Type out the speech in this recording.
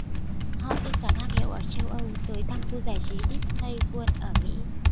họ đi sắm hàng hiệu ở châu âu tới thăm khu giải trí disney world ở mỹ